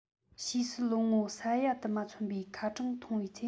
ཕྱིས སུ ལོ ངོ ས ཡ དུ མ མཚོན པའི ཁ གྲངས མཐོང བའི ཚེ